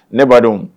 Ne badenw